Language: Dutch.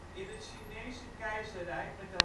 In het Chinese Keizerrijk met de